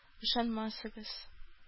Ышанмасагыз